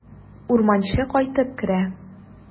Урманчы кайтып керә.